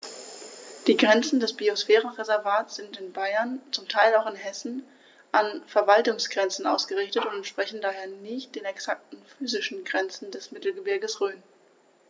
Die Grenzen des Biosphärenreservates sind in Bayern, zum Teil auch in Hessen, an Verwaltungsgrenzen ausgerichtet und entsprechen daher nicht exakten physischen Grenzen des Mittelgebirges Rhön.